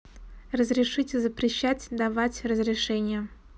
разрешить запрещать давать разрешение